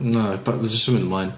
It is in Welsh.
Na, b- jyst symud ymlaen.